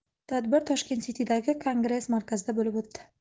tadbir tashkent city'dagi kongress markazida bo'lib o'tdi